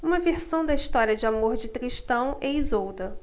uma versão da história de amor de tristão e isolda